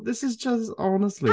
This is just, honestly.